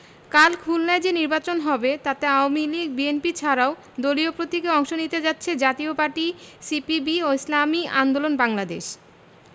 কাল খুলনায় যে নির্বাচন হবে তাতে আওয়ামী লীগ বিএনপি ছাড়াও দলীয় প্রতীকে অংশ নিতে যাচ্ছে জাতীয় পার্টি সিপিবি ও ইসলামী আন্দোলন বাংলাদেশ